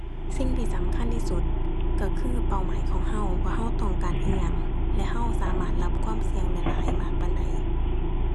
สิ่งที่สำคัญที่สุดก็คือเป้าหมายของก็ ว่าก็ต้องการอิหยังและก็สามารถรับความเสี่ยงได้หลายมากปานใด